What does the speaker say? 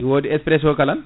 wodi expresso kala